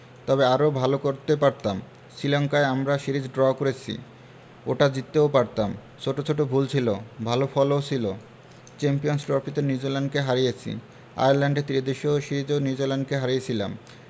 তবে আরও ভালো করতে পারতাম শ্রীলঙ্কায় আমরা সিরিজ ড্র করেছি ওটা জিততেও পারতাম ছোট ছোট ভুল ছিল ভালো ফলও ছিল চ্যাম্পিয়নস ট্রফিতে নিউজিল্যান্ডকে হারিয়েছি আয়ারল্যান্ডে ত্রিদেশীয় সিরিজেও নিউজিল্যান্ডকে হারিয়েছিলাম